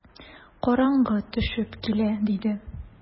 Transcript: Караңгы төшеп килә, - диде.